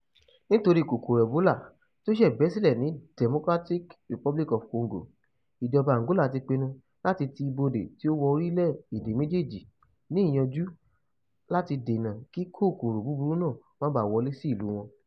Nítorí kòkòrò ebola tó ṣẹ̀ bẹ́ silẹ̀ ní Democratic Republic of Congo, Ìjọba Angola ti pinnu láti ti ibodè tí ó wọ orílẹ̀ èdè méjéèjì, ní ìyànjú láti dènà kí kòkòrò búburú náà má báà wọlé sí ìlú wọn.